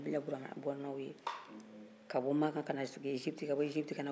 ka bɔ maka ka na sigi ezipiti ka bɔ ezipiti ka na wagadugu ka bɔ wagadugu ka na kunbi